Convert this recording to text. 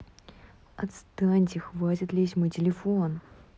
отстаньте хватит лезть мой телефон